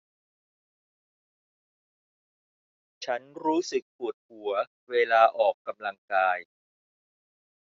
ฉันรู้สึกปวดหัวเวลาออกกำลังกาย